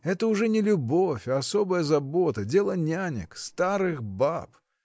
Это уже не любовь, а особая забота, дело нянек, старых баб!